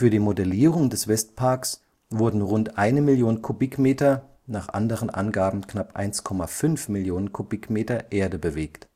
die Modellierung des Westparks wurden rund eine Million Kubikmeter, nach anderen Angaben knapp 1,5 Millionen Kubikmeter Erde bewegt